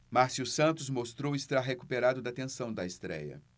márcio santos mostrou estar recuperado da tensão da estréia